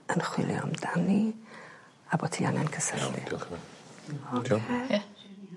yn chwilio amdani a bot hi angen cysylltu. Iawn diolch yn fawr. Oce. Ti iawn? Ie.